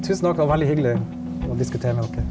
tusen takk, det var veldig hyggelig å diskutere med dere.